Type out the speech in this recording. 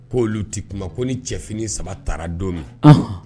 Ko olu tɛ kuma ko ni cɛfini saba taara don ma